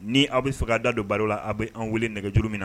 Ni aw bɛ sokɛ da don baro la aw bɛ an wele nɛgɛjuru min na